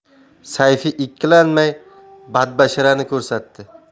sayfi ikkilanmay badbasharani ko'rsatdi